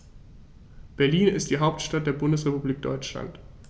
Berlin ist die Hauptstadt der Bundesrepublik Deutschland.